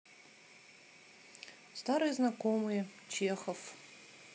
старые знакомые чехов